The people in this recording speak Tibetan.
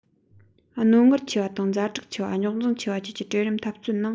རྣོ ངར ཆེ བ དང ཛ དྲག ཆེ བ རྙོག འཛིང ཆེ བ བཅས ཀྱི གྲལ རིམ འཐབ རྩོད ནང